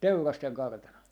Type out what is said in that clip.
Teurasten kartano